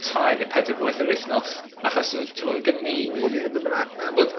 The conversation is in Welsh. tair neu pedwar gwaith yr wythnos. Achos odd t'mo o' gennon ni... O o'n i ddim yn myn' allan. Odd...